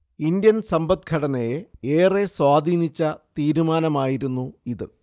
Indian സമ്പദ്ഘടനയെ ഏറെ സ്വാധീനിച്ച തീരുമാനമായിരുന്നു ഇത്